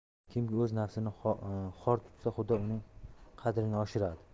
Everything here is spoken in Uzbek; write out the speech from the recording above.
kimiki o'z nafsini xor tutsa xudo uning qadrini oshiradi